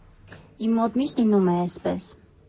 Իմ մոտ միշտ լինում է էսպես.